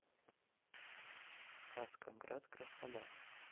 сказка град краснодар